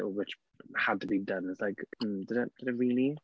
Or which had to be done and it's like, did it... did it really?